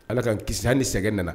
Ala k'an kisi hali ni sɛgɛn nana